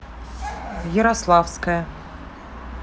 ярославская